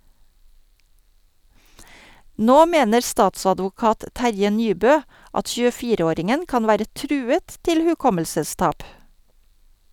Nå mener statsadvokat Terje Nybøe at 24-åringen kan være truet til hukommelsestap.